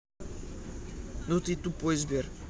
ну ты тупой сбер